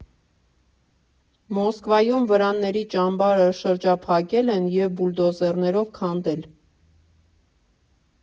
Մոսկվայում վրանների ճամբարը շրջափակել են և բուլդոզերներով քանդել։